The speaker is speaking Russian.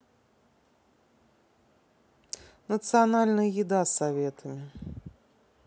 национальная еда советами